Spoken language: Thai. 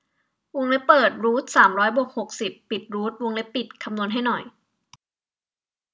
วงเล็บเปิดรูทสามร้อยบวกหกสิบปิดรูทวงเล็บปิดคำนวณให้หน่อย